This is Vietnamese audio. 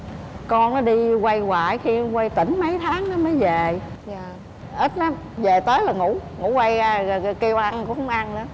con nó đi quay hoài có khi nó quay tỉnh mấy tháng nó mới về dạ ít lắm dề tới là ngủ ngủ quay ra rồi kêu ăn cũng hông ăn nữa